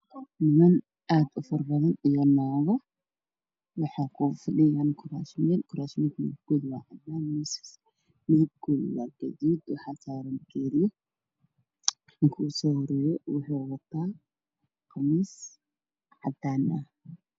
Niman iyo naaga aada u fara badan waxay ku fadhiyaan kuraas nimanka wuxuu horyaalo ubaxyo nagahana waxay qabaan cidda shareero iyo xijaabo madow ah